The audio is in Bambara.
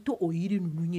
To oo ye n ye